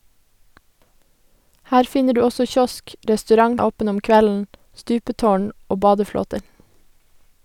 Her finner du også kiosk, restaurant (åpen om kvelden), stupetårn og badeflåter.